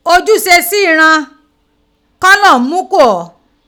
Ojuse si iran ki Olohun mu ko o.